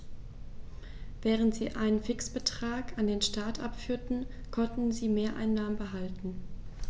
Während sie einen Fixbetrag an den Staat abführten, konnten sie Mehreinnahmen behalten.